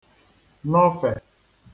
-nọfè